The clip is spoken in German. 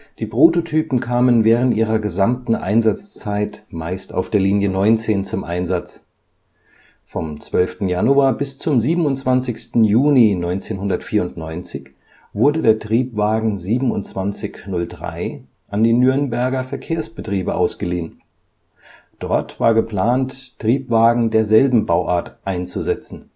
Die Prototypen kamen während ihrer gesamten Einsatzzeit meist auf der Linie 19 zum Einsatz. Vom 12. Januar bis zum 27. Juni 1994 wurde der Triebwagen 2703 an die Nürnberger Verkehrsbetriebe ausgeliehen. Dort war geplant, Triebwagen derselben Bauart einzusetzen